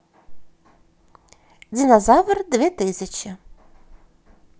динозавр две тысячи